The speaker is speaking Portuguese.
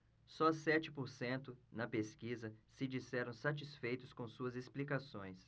só sete por cento na pesquisa se disseram satisfeitos com suas explicações